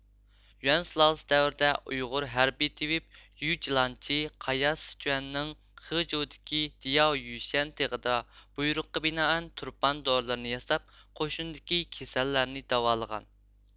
يۈەن سۇلالىسى دەۋرىدە ئۇيغۇر ھەربىي تېۋىپ يۇجلانچى قايا سىچۇەننىڭ خېجۇدىكى دىياۋيۈشەن تېغىدا بۇيرۇققا بىنائەن تۇرپان دورىلىرىنى ياساپ قوشۇندىكى كېسەللەرنى داۋالىغان